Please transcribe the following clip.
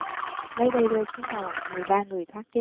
máy bay rơi xuống hồ mười ba người thoát chết